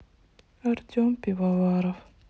артем пивоваров